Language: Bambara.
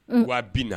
200 000